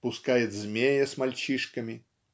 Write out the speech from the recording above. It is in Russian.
пускает змея с мальчишками?